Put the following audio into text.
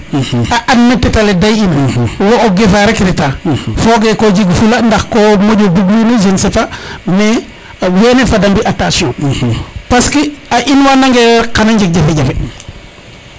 a an me teta le dey ina wo o gofa rek reta foge ko jeg fula ndax ko moƴo bug wiin je ne c' est pas mais wene fada mbi attention parce que a in wana nge yo rek xana njeg jafe jafe